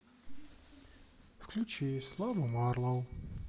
включи славу марлоу